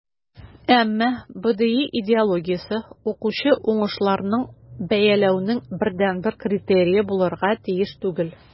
Әмма БДИ идеологиясе укучы уңышларын бәяләүнең бердәнбер критерие булырга тиеш түгел.